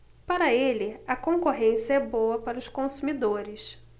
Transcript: para ele a concorrência é boa para os consumidores